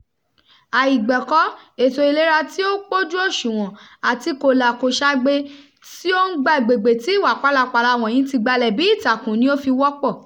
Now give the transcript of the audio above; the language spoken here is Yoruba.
Àìgbẹ̀kọ́, ètò ìlera tí ò pójú òṣùwọ̀n àti kòlàkòṣagbe tí ó ń gb'àgbègbè tí ìwà pálapalà wọ̀nyí ti gbalẹ̀ bí i ìtàkùn ni ó fi wọ́pọ̀.